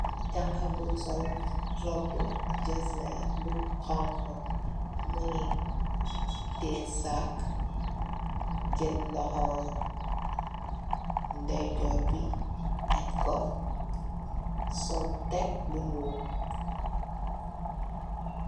Janxa bu sol roba jeznerr bu xonxu mongi teye sag jel loxo ndeyejorr bi aajj ko sol teek bu nuul.